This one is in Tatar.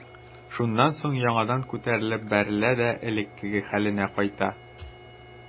Шуннан соң яңадан күтәрелеп бәрелә дә элеккеге хәленә кайта.